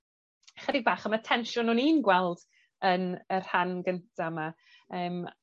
ychydig bach am y tensiwn o'n i'n gweld yn y rhan gynta 'ma yym